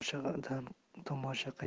tomosha qayda